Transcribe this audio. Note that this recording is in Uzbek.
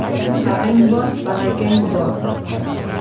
qaring bor barakang bor